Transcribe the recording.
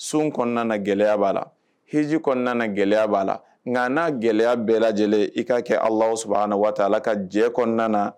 Sun kɔnɔna gɛlɛya b'a la hji kɔnɔna gɛlɛya b'a la nka n'a gɛlɛya bɛɛ lajɛlen i k kaa kɛ aw la saba a na waati la ka jɛ kɔnɔna na